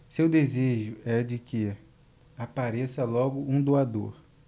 seu desejo é de que apareça logo um doador